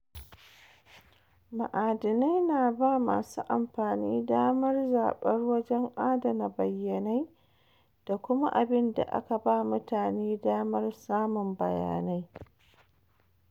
Ma’adinai na ba masu amfani damar zabar wajen adana bayyanai da kuma abin da aka ba mutane damar samun bayanai.